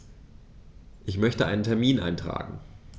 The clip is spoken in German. Ich möchte einen Termin eintragen.